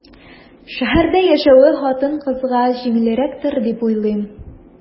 Шәһәрдә яшәве хатын-кызга җиңелрәктер дип уйлыйм.